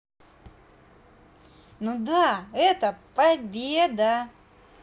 ну да это победа